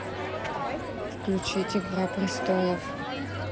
включить игра престолов